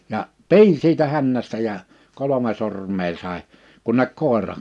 ja pidin siitä hännästä ja kolme sormea sai kunne koira